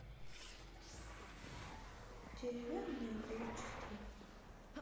деревянное зодчество